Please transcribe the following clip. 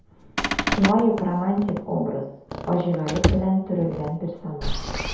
Шулай ук романтик образ, фаҗигалек белән төрелгән персонаж.